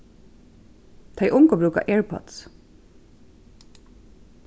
tey ungu brúka airpods